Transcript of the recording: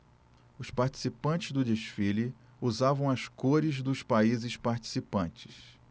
os participantes do desfile usavam as cores dos países participantes